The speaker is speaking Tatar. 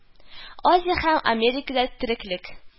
Азия һәм Америкада тереклек